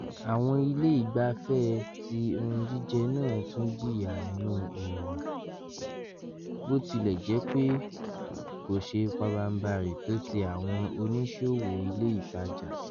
Àwọn ilé ìgbafẹ́ ti ohun-jíjẹ náà tún jìyà nínú òórùn, bótilèjẹ́pé kò ṣe pabanbarì tó ti àwọn oníṣòwò ilé itájà.